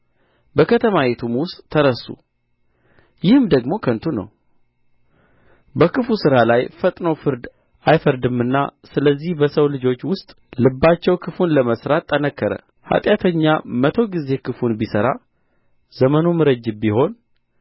በከተማይቱም ውስጥ ተረሱ ይህም ደግሞ ከንቱ ነው በክፉ ሥራ ላይ ፈጥኖ ፍርድ አይፈረድምና ስለዚህ በሰው ልጆች ውስጥ ልባቸው ክፉን ለመሥራት ጠነከረ ኃጢአተኛ መቶ ጊዜ ክፉን ቢሠራ ዘመኑም ረጅም ቢሆን